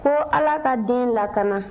ko ala ka den lakana